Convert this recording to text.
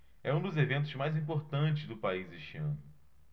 é um dos eventos mais importantes do país este ano